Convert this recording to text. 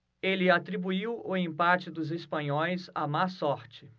ele atribuiu o empate dos espanhóis à má sorte